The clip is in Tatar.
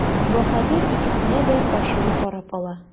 Баһадир икесенә дә ачулы карап ала.